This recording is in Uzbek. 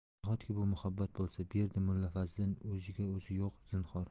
nahotki bu muhabbat bo'lsa derdi mulla fazliddin o'ziga o'zi yo'q zinhor